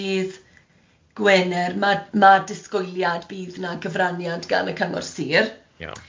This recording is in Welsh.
dydd Gwener, ma' ma' disgwyliad bydd 'na gyfraniad gan y Cyngor Sir.